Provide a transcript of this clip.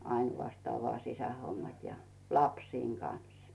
ainoastaan vain sisähommat ja lasten kanssa